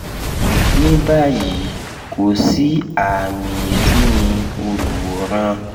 Ni bayii, kosi aami isuni oluworan.